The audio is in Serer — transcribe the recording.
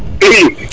i